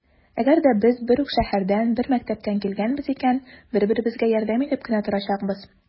Әгәр дә без бер үк шәһәрдән, бер мәктәптән килгәнбез икән, бер-беребезгә ярдәм итеп кенә торачакбыз.